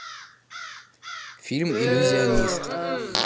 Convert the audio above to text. фильм иллюзионист